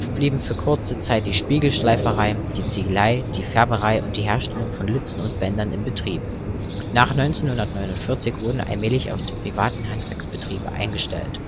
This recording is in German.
blieben für kurze Zeit die Spiegelschleiferei, die Ziegelei, die Färberei und die Herstellung von Litzen und Bändern im Betrieb. Nach 1949 wurden allmählich auch die privaten Handwerksbetriebe eingestellt